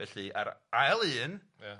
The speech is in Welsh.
felly yr ail un... Ia...